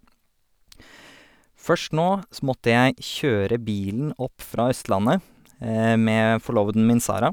Først nå så måtte jeg kjøre bilen opp fra Østlandet med forloveden min, Sara.